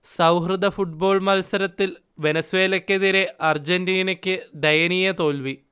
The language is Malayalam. സൗഹൃദ ഫുട്ബോൾ മത്സരത്തിൽ വെനസ്വലക്കെതിരെ അർജന്റീനക്ക് ദയനീയ തോൽവി